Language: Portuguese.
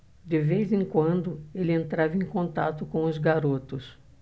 de vez em quando ele entrava em contato com os garotos